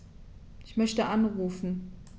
Ich möchte anrufen.